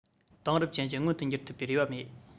དེང རབས ཅན བཞི མངོན དུ འགྱུར ཐུབ པའི རེ བ མེད